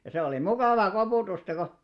ja se oli mukavaa koputusta kun